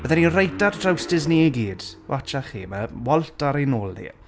Bydden ni reit ar draws Disney i gyd. Watsiwch chi, mae Walt ar ein hôl ni.